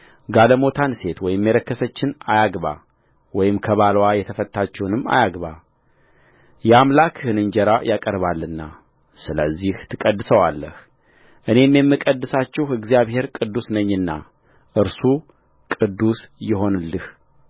ጋለሞታን ሴት ወይም የረከሰችውን አያግባ ወይም ከባልዋ የተፈታችውን አያግባየአምላክህን እንጀራ ያቀርባልና ስለዚህ ትቀድሰዋለህ እኔም የምቀድሳችሁ እግዚአብሔር ቅዱስ ነኝና እርሱ ቅዱስ ይሁንልህ